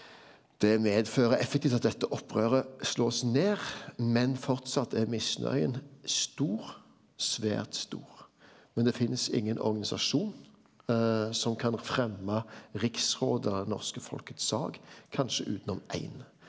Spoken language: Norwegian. det medfører effektivt at dette opprøret slås ned men framleis er misnøya stor, svært stor, men det finst ingen organisasjon som kan fremma riksrådet og det norske folkets sak kanskje utanom éin.